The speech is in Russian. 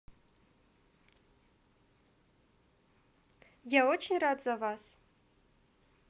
я очень рад за вас